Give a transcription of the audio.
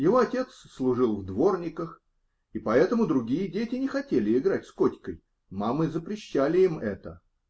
его отец служил в дворниках, и поэтому другие дети не хотели играть с Котькой: мамы запрещали им это.